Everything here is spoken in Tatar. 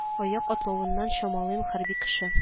Аяк атлавыннан чамалыйм хәрби кеше